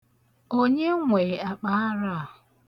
Onye nwe akpaara a?